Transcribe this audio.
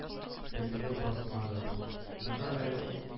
Белеме басмады, нора әле